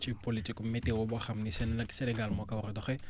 ci politique ku météo boo xam ni seen nag Sénégal moo ko war a doxee